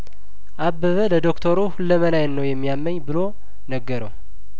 አበበ ለዶክተሩ ሁለመናዬን ነው የሚያመኝ ብሎ ነገረው